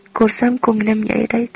ko'rsam ko'nglim yayraydi